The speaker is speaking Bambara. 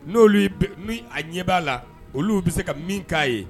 N'olu ye bɛ ni a ɲɛ b'a la olu bɛ se ka min kɛ' a ye.